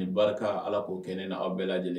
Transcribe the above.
Ni barika Ala k'o kɛ ne ni aw bɛɛ lajɛlen